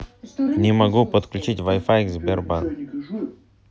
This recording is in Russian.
не могу подключить wi fi к sberbox